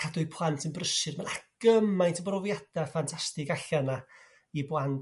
cadw'u plant yn brysur ma' 'na gymaint o brofiada' ffantastig allan 'na, i blant